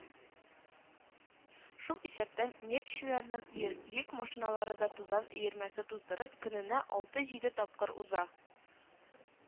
Шул исәптән нефтьчеләрнең йөр йөк машиналары да тузан өермәсе туздырып, көненә алты -җиде тапкыр уза